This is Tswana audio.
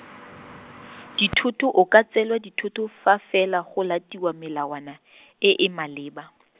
dithoto o ka tseelwa dithoto fa fela go latelwa melawana , e e maleba .